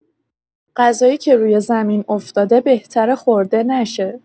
غذایی که روی زمین افتاده بهتره خورده نشه.